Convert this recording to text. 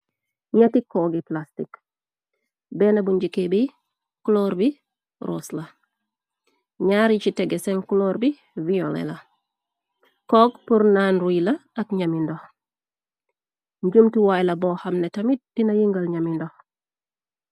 Nñetti coogi plastic, benn bu njiké bi cloor bi ros la. Nñaar yi ci teggu seen cloor bi viyolé la. Coog pur nan ruy la ak ñami ndox. Njumtu waayla boo xam ne tamit dina yengal ñami ndox.